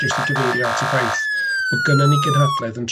jyst i gyfeirio at y ffaith bo gynnon ni gynhadledd yn